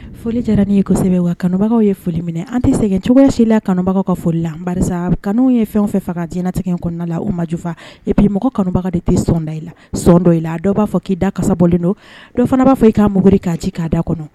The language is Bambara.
Foli diyara n' ye kosɛbɛ wa kanubagaw ye foli minɛ an tɛ segin cogoyasi la kanubagaw ka foli la kanu ye fɛn fɛ faga dtigɛ in kɔnɔna la u ma jufa epi mɔgɔ kanubaga de tɛ sɔnda i la son dɔ i la dɔw b'a fɔ k'i da kasa bɔlen don dɔw fana b'a fɔ i k ka mugugri k'a ci k ka da kɔnɔ